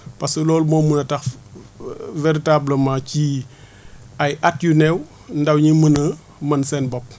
parce que loolu moo mën a tax véritablement ci ay at yu néew ndaw ñi mën a mën seen bopp